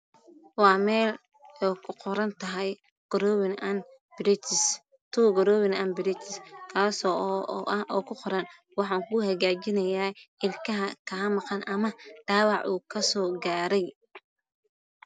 Waa Mee ku qorantahay waxa ku hagajima shawac ka Soo gaaray